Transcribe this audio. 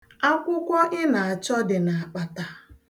Akwụkwọ ị na-achọ dị n'akpata.